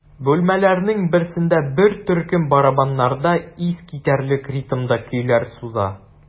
Бүлмәләрнең берсендә бер төркем барабаннарда искитәрлек ритмда көйләр суза.